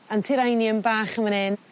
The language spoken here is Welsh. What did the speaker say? antirrhinium bach yn ma'n 'yn